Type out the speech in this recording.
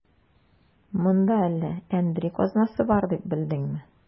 Монда әллә әндри казнасы бар дип белдеңме?